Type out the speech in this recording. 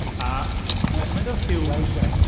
A mae 'na gymaint o fumes... Well done!